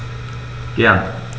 Gern.